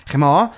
Chimod?